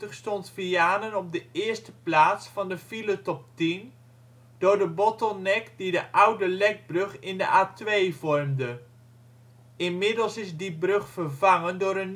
stond Vianen op de eerste plaats van de file top 10 door de bottleneck die de oude Lekbrug in de A2 vormde. Inmiddels is die brug vervangen door